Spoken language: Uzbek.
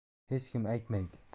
hech kim aytmaydi